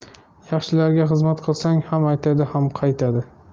yaxshilarga xizmat qilsang ham aytadi ham qaytadi